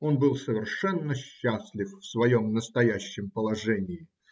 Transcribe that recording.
Он был совершенно счастлив в своем настоящем положении.